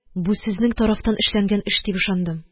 Бу сезнең тарафтан эшләнгән эш дип ышандым